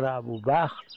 la